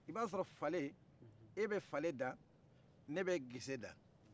i ba sɔrɔ fale i bɛ faleda ne be geseda